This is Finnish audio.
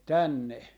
tänne